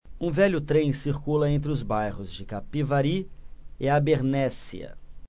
um velho trem circula entre os bairros de capivari e abernéssia